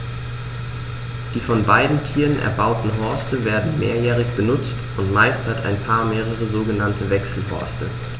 Die von beiden Tieren erbauten Horste werden mehrjährig benutzt, und meist hat ein Paar mehrere sogenannte Wechselhorste.